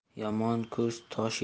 yomon ko'z tosh